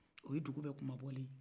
o ye dugu bɛɛ kunmabɔlen ye